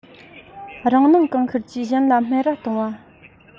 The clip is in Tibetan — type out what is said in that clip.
རང སྣང གང ཤར གྱིས གཞན ལ སྨད ར གཏོང བ